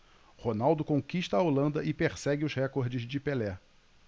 ronaldo conquista a holanda e persegue os recordes de pelé